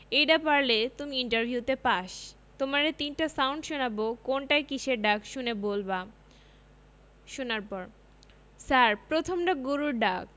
এইডা পারলেই তুমি ইন্টার ভিউতে পাস তোমারে তিনটা সাউন্ড শোনাবো কোনটা কিসের ডাক শুনে বলবা... শোনার পর ছার প্রথমডা গরুর ডাক